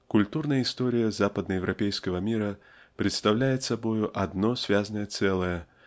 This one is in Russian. Культурная история западноевропейского мира представляет собою одно связное целое